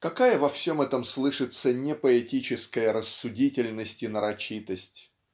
Какая во всем этом слышится непоэтическая рассудительность и нарочитость